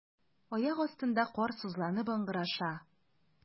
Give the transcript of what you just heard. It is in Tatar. Аяк астында кар сызланып ыңгыраша.